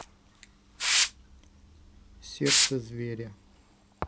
сердце зверя